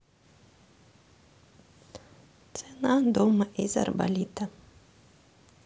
цена дома из арболита